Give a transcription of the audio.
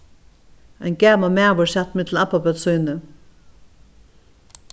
ein gamal maður sat millum abbabørn síni